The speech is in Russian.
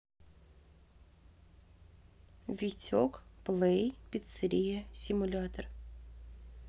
витек плей пиццерия симулятор